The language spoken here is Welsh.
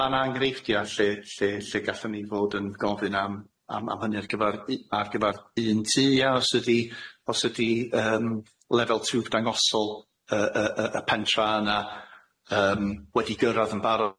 Ma' ma' na engreifftia lle lle lle gallwn ni fod yn gofyn am am am hynny ar gyfar u- ar gyfar un tŷ ia os ydi os ydi yym lefel tywf dangosol yy yy yy y pentra yna yym wedi gyrradd yn barod.